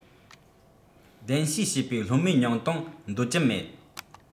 གདན ཞུས བྱས པའི སློབ མའི ཉུང གཏོང འདོད ཀྱི མེད